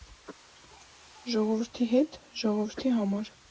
Ժողովրդի հետ, ժողովրդի համար։